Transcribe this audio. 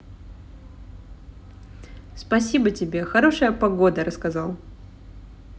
спасибо тебе хорошая погода рассказал